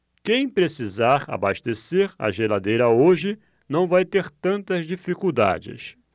quem precisar abastecer a geladeira hoje não vai ter tantas dificuldades